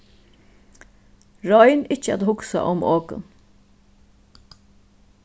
royn ikki at hugsa um okkum